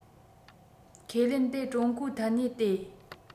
ཁས ལེན དེ ཀྲུང གོའི ཐད ནས བལྟས